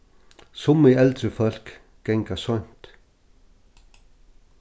summi eldri fólk ganga seint